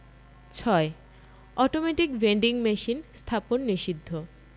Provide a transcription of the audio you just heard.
৬ automatic vending machine স্থাপন নিষিদ্ধ